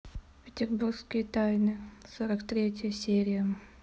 петербургские тайны сорок третья серия